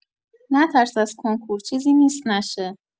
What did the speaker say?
نترس از کنکور چیزی نیست نشه.